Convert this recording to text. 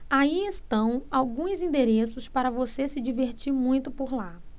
aí estão alguns endereços para você se divertir muito por lá